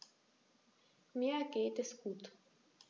Mir geht es gut.